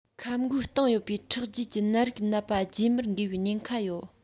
ཁབ མགོའི སྟེང ཡོད པའི ཁྲག རྗེས ཀྱིས ནད རིགས ནད པ རྗེས མར འགོས པའི ཉེན ཁ ཡོད